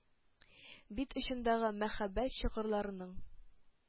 Бит очындагы “мәхәббәт чокырлары”ның